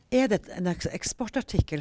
er en eksportartikkel?